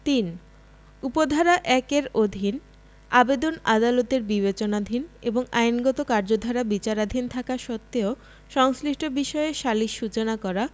৩ উপ ধারা ১ এর অধীন আবেদন আদালতের বিবেচনাধীন এবং আইনগত কার্যধারা বিচারাধীন থাকা সত্ত্বেও সংশ্লিষ্ট বিষয়ে সালিস সূচনা করা